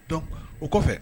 Don o kɔfɛ